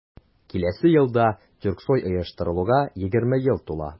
Киләсе елда Тюрксой оештырылуга 20 ел тула.